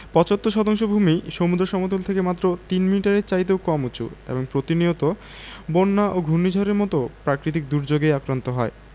৭৫ শতাংশ ভূমিই সমুদ্র সমতল থেকে মাত্র তিন মিটারের চাইতেও কম উঁচু এবং প্রতিনিয়ত বন্যা ও ঘূর্ণিঝড়ের মতো প্রাকৃতিক দুর্যোগে আক্রান্ত হয়